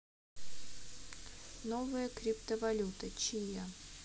новая криптовалюта чия